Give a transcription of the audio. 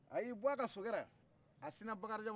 a y'i bɔ a ka sokɛ la a sina bakaridjan ma